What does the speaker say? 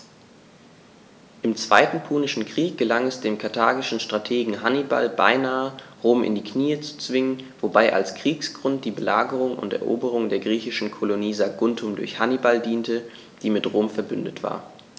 Im Zweiten Punischen Krieg gelang es dem karthagischen Strategen Hannibal beinahe, Rom in die Knie zu zwingen, wobei als Kriegsgrund die Belagerung und Eroberung der griechischen Kolonie Saguntum durch Hannibal diente, die mit Rom „verbündet“ war.